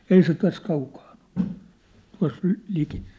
ei se tässä kaukana ole tuossa - liki